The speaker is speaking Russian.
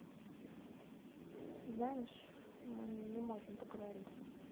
знаешь мы не можем поговорить